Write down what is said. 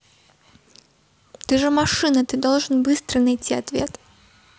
ты же машина ты должен быстро найти ответ